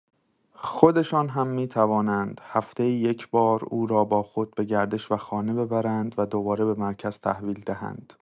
خودشان هم می‌توانند هفته‌ای یک‌بار او را با خود به گردش و خانه ببرند و دوباره به مرکز تحویل دهند.